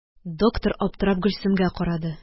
Доктор аптырап Гөлсемгә карады.